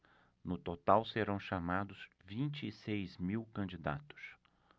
no total serão chamados vinte e seis mil candidatos